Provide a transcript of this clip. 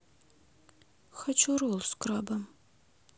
хочу ролл с крабом